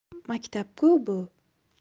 maktab ku bu